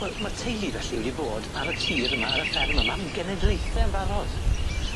Wel ma'r teulu felly wedi bod ar y tir yma ar y fferm yma 'm genedlaethe'n barod.